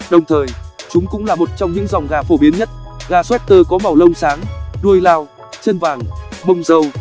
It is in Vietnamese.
đồng thời chúng cũng là một trong những dòng gà phổ biến nhất gà sweater có màu lông sáng đuôi lao chân vàng mồng dâu